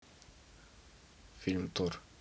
фильм тор